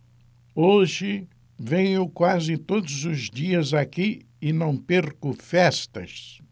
hoje venho quase todos os dias aqui e não perco festas